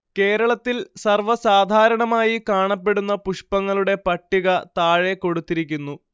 കേരളത്തിൽ സർവ്വസാധാരണമായി കാണപ്പെടുന്ന പുഷ്പങ്ങളുടെ പട്ടിക താഴെ കൊടുത്തിരിക്കുന്നു